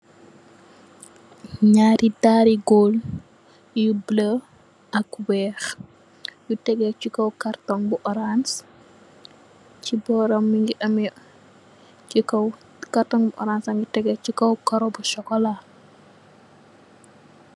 Ñaari dalli gór yu bula ak wèèx yu tegeh ci kaw karton bu orans ci boram mugii ameh ci kaw. Karton ñgi orans bu tèg gu ci kaw karó bu sokola.